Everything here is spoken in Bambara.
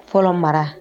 Fɔlɔ mara